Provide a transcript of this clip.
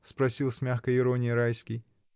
— спросил с мягкой иронией Райский.